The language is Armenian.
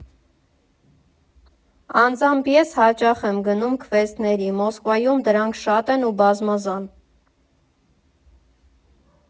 «Անձամբ ես հաճախ եմ գնում քվեսթերի Մոսկվայում, դրանք շատ են ու բազմազան։